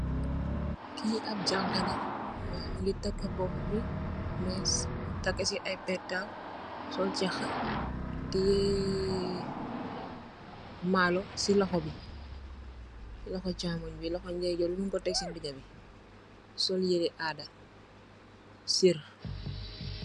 Kii ab janxa la, mu ngi takkë boopu bi, méés, takkë si ay pétaaw, sol caxxë, tiyee, maalo si loxo chaamoy bi, loxo ndey jóór bi, muñg ko tek si ndiñgam, sol yiree äda.